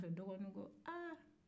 dɔgɔni ko aa